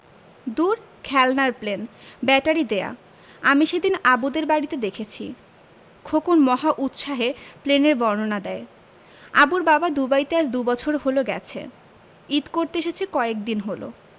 দূর খেলনার plane battery দেয়া আমি সেদিন আবুদের বাড়িতে দেখেছি খোকন মহা উৎসাহে প্লেনের বর্ণনা দেয় আবুর বাবা দুবাইতে আজ দুবছর হলো গেছে ঈদ করতে এসেছে কয়েকদিন হলো